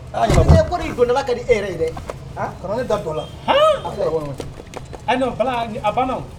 Sɔ p' donnadala ka di e yɛrɛ ye dɛ kɔnɔna ne da dɔ la a ayi a ban